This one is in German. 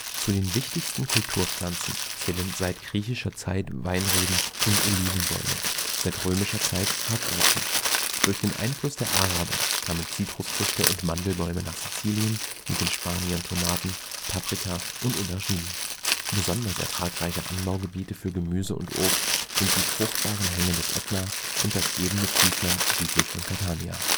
Zu den wichtigsten Kulturpflanzen zählen seit griechischer Zeit Weinreben und Olivenbäume, seit römischer Zeit Hartweizen. Durch den Einfluss der Araber kamen Zitrusfrüchte und Mandelbäume nach Sizilien, mit den Spaniern Tomaten, Paprika und Auberginen. Besonders ertragreiche Anbaugebiete für Gemüse und Obst sind die fruchtbaren Hänge des Ätna und das ebene Tiefland südlich von Catania